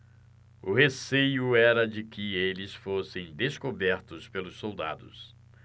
o receio era de que eles fossem descobertos pelos soldados